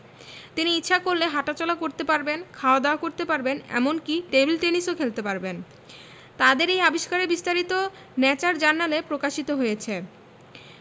তিনি ইচ্ছা করলে হাটাচলা করতে পারবেন খাওয়া দাওয়া করতে পারবেন এমনকি টেবিল টেনিসও খেলতে পারবেন তাদের এই আবিষ্কারের বিস্তারিত ন্যাচার জার্নালে প্রকাশিত হয়েছে